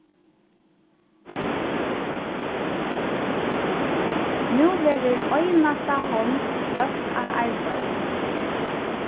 nú verður einasta hond løgd á arbeiðið